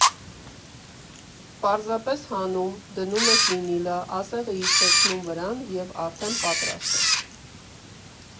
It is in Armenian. Պարզապես հանում, դնում ես վինիլը, ասեղը իջեցնում վրան և արդեն պատրաստ է։